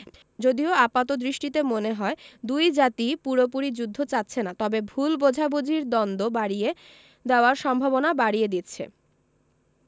যদিও আপাতদৃষ্টিতে মনে হয় দুই জাতিই পুরোপুরি যুদ্ধ চাচ্ছে না তবে ভুল বোঝাবুঝি দ্বন্দ্ব বাড়িয়ে দেওয়ার সম্ভাবনা বাড়িয়ে দিচ্ছে